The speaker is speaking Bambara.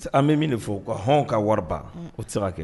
An bɛ min de fɔ ka hɔn ka wari ban o tɛ kɛ